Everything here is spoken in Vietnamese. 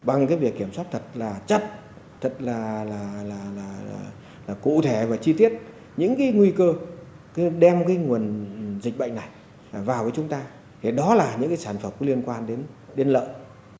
bằng cái việc kiểm soát thật là chặt thật là là là là là là cụ thể và chi tiết những cái nguy cơ cứ đem cái nguồn dịch bệnh này vào với chúng ta hiện đó là những sản phẩm có liên quan đến buôn lậu